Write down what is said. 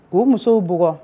K'u musow bugɔgɔɔ